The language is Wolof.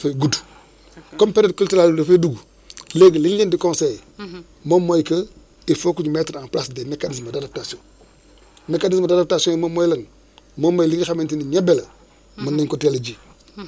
ak le lendemain ak le surlendemain muy donc des prévisions de courtes durée yi nga xamante ne bi gën gaa néew trois jours lay lay kii donc am nañu yaakaar que ni même bu fekkee am na risque risque boobu rëyul trop trop trop parce que léegi bon ni ñuy ni ñuy ni ñuy suivre affaire yi